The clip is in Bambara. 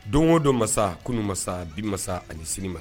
Don o don masa kunun masa bi masa ani sigi ma